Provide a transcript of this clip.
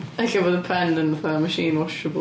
Ella bod y pen yn fatha machine washable.